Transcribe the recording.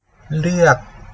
เลือก